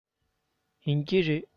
ཡིན གྱི རེད